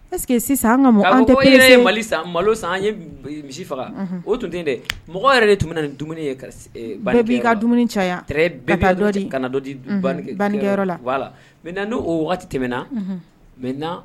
Est ce que sisan an ka mɔgɔ ,an tɛ pressé ;ka fo e ye mali san malo san, an ye misi faga; unhun; o tun tɛ yen dɛ, mɔgɔ yɛrɛ de tun bɛ na nin dumuni ye ,ka e banni kɛ yɔrɔ la; bɛɛ b'i ka dumuni caya ; très bien ka taa dɔ di; kana dɔ di; unhun; banni kɛyɔrɔ la; voilà ; maintenant n'o waati tɛmɛna; unhun; maintenant